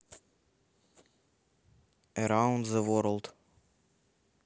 эраунд зе ворлд